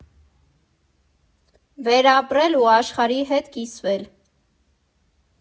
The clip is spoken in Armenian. Վերապրել ու աշխարհի հետ կիսվել։